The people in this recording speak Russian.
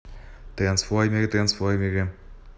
трансформеры трансформеры